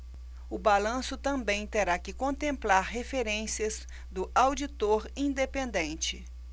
o balanço também terá que contemplar referências do auditor independente